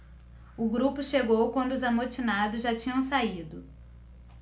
o grupo chegou quando os amotinados já tinham saído